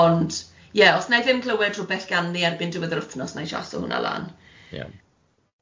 Ond ie os wna i ddim clywed rywbeth ganddi erbyn diwedd yr wthnos, wna i hwnna lan.